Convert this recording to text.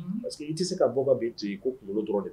Parce que i tɛ se ka bɔ ka bin to yen ko kunkolo dɔrɔn de